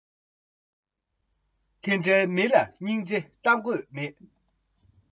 གསུམ པ མི ངན རྩ མེད བཟོས ཀྱང རུང